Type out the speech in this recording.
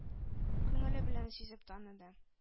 Күңеле белән сизеп таныды.